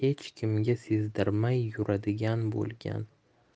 hech kimga sezdirmay yuradigan bo'lgan